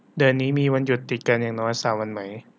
เดือนนี้มีวันหยุดติดกันอย่างน้อยสามวันไหม